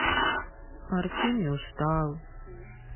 артемий устал